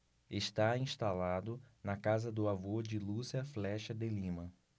está instalado na casa do avô de lúcia flexa de lima